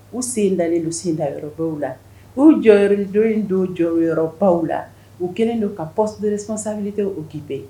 U sendalen u senda yɔrɔbaw la u jɔyɔrɔ don don jɔyɔrɔ yɔrɔbaw la u kɛlen don ka pɔperes sanfɛv tɛ o kiba bɛ ye